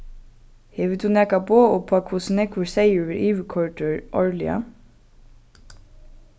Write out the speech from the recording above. hevur tú nakað boð uppá hvussu nógvur seyður verður yvirkoyrdur árliga